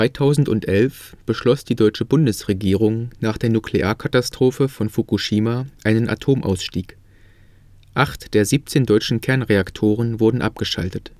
2011 beschloss die deutsche Bundesregierung nach der Nuklearkatastrophe von Fukushima einen Atomausstieg. Acht der 17 deutschen Kernreaktoren wurden abgeschaltet